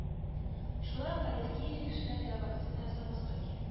Шулай ук аллергияле кешеләргә вакцина ясамаска кирәк